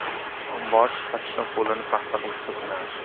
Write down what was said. omborchi pastda qo'lini paxsa qilib so'kinardi